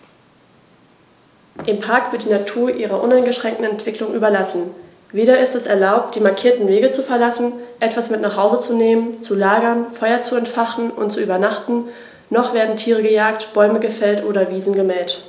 Im Park wird die Natur ihrer uneingeschränkten Entwicklung überlassen; weder ist es erlaubt, die markierten Wege zu verlassen, etwas mit nach Hause zu nehmen, zu lagern, Feuer zu entfachen und zu übernachten, noch werden Tiere gejagt, Bäume gefällt oder Wiesen gemäht.